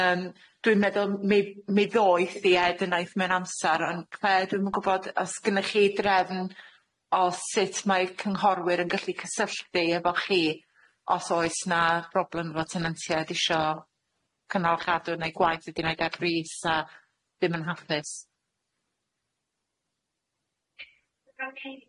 Yym dwi'n meddwl mi mi ddoeth i Ed ynaith mewn amsar on' Clare dwi'm yn gwbod os gynnoch chi drefn o sut mae cynghorwyr yn gallu cysylltu efo chi os oes na problem efo tenantia' d'isio cynnal a chadw neu gwaith wedi neud ar frys a ddim yn hapus.